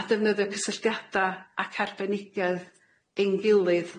A defnyddio cysylltiada ac arbenigedd ein gilydd.